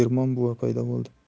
ermon buva paydo bo'ldi